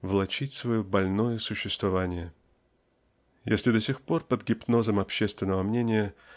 влачить свое больное существование. Если до сих пор под гипнозом общественного мнения